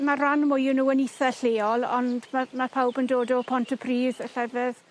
Ma'r rhan mwya nw yn itha lleol ond ma' ma' pawb yn dod o Pontypridd a llefydd.